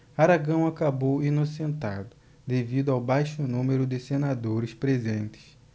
aragão acabou inocentado devido ao baixo número de senadores presentes